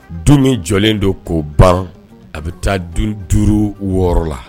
Du min jɔlen don k'o ban a bɛ taa dun duuru wɔɔrɔ la